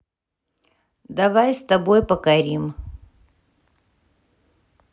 давай с тобой покорим